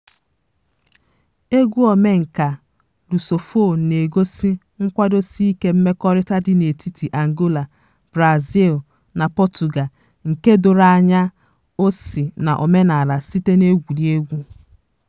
Egwu omenka Lusophone na-egosi nkwadosiike mmekọrịta dị n'etiti Angola, Brazil na Pọtụga- nke doro anya na o si n'omenaala site n'egwuregwu.